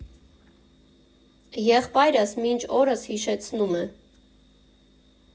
Եղբայրս մինչ օրս հիշեցնում է։